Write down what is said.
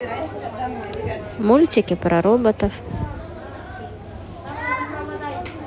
мультики про роботов